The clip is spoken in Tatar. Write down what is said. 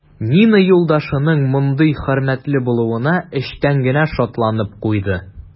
Нина юлдашының мондый хөрмәтле булуына эчтән генә шатланып куйды.